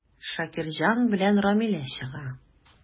Шакирҗан белән Рамилә чыга.